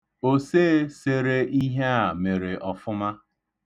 Osee sere ihe a mere ọfụma.